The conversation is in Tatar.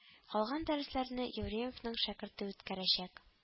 Калган дәресләрне Ефремовның шәкерте үткәрәчәк